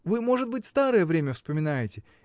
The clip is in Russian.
Вы, может быть, старое время вспоминаете.